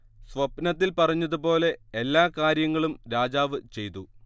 സ്വപ്നത്തിൽ പറഞ്ഞതുപോലെ എല്ലാ കാര്യങ്ങളും രാജാവ് ചെയ്തു